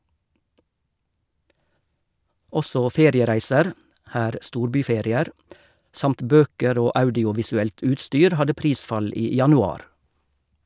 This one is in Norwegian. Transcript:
Også feriereiser, her storbyferier, samt bøker og audiovisuelt utstyr hadde prisfall i januar.